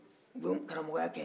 i bɛ karamɔgɔya kɛ